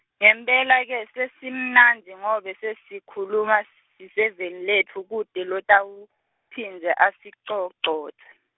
ngempela ke sesimnandzi ngobe sesikhuluma, siseveni letfu kute lotawuphindze asicocodze.